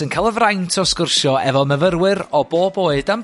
yn ca'l y fraint o sgwrsio efo myfyrwyr o bob oed am